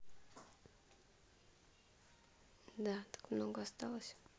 да так много осталось